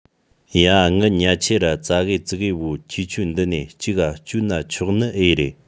ཡ ངའི ཉལ ཆས ར ཙ གེ ཙི གེ བོ ཁྱེད ཆོ འདི ནས ཅིག ག བཅོའུ ན ཆོག ནི ཨེ རེད